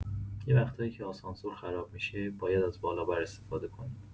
یه وقتایی که آسانسور خراب می‌شه، باید از بالابر استفاده کنیم.